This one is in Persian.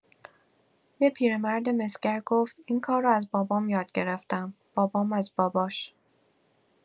یه پیرمرد مسگر گفت «این کار رو از بابام یاد گرفتم، بابام از باباش.»